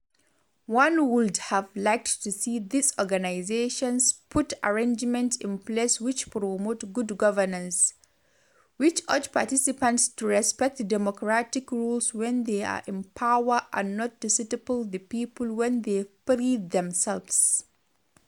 One would have liked to see these organizations put arrangements in place which promote good governance, which urge participants to respect the democratic rules when they are in power and not to stifle the people when they free themselves.